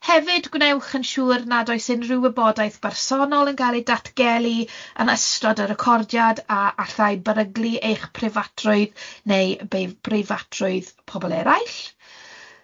Hefyd gwnewch yn siŵr nad oes unrhyw wybodaeth bersonol yn cael ei datgelu yn ystod y recordiad a allai beryglu eich preifatrwydd neu brei- breifatrwydd pobl eraill.